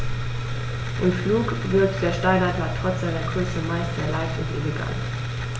Im Flug wirkt der Steinadler trotz seiner Größe meist sehr leicht und elegant.